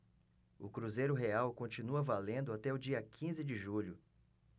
o cruzeiro real continua valendo até o dia quinze de julho